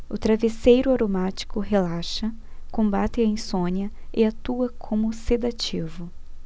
o travesseiro aromático relaxa combate a insônia e atua como sedativo